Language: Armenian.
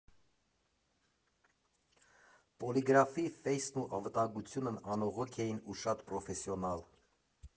Պոլիգրաֆի ֆեյսն ու անվտանգությունն անողոք էին ու շատ պրոֆեսիոնալ։